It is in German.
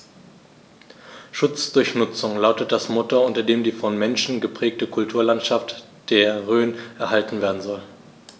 „Schutz durch Nutzung“ lautet das Motto, unter dem die vom Menschen geprägte Kulturlandschaft der Rhön erhalten werden soll.